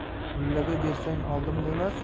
mullaga bersang oldim demas